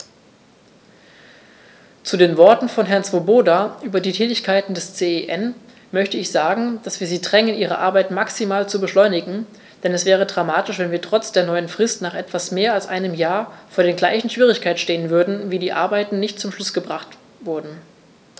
Zu den Worten von Herrn Swoboda über die Tätigkeit des CEN möchte ich sagen, dass wir sie drängen, ihre Arbeit maximal zu beschleunigen, denn es wäre dramatisch, wenn wir trotz der neuen Frist nach etwas mehr als einem Jahr vor den gleichen Schwierigkeiten stehen würden, weil die Arbeiten nicht zum Abschluss gebracht wurden.